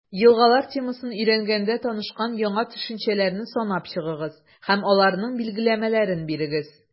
«елгалар» темасын өйрәнгәндә танышкан яңа төшенчәләрне санап чыгыгыз һәм аларның билгеләмәләрен бирегез.